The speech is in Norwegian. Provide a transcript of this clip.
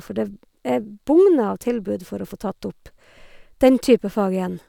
For det b e bugner av tilbud for å få tatt opp den type fag igjen.